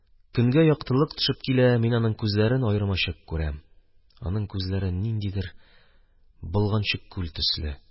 Көнгә яктылык төшеп килә, мин аның күзләрен аермачык күрәм, аның күзләре ниндидер болганчык күл төсле.